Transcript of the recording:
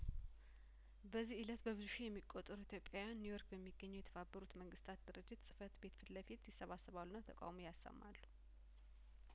በዚህ እለት በብዙ ሺህ የሚቆጠሩ ኢትዮጵያዊያን ኒውዮርክ በሚገኘው የተባበሩት መንግስታት ድርጅት ጽፈት ቤት ፊት ለፊት ይሰበሰባሉና ተቃውሞ ያሰማሉ